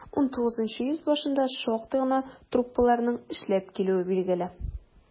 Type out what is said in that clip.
XIX йөз башында шактый гына труппаларның эшләп килүе билгеле.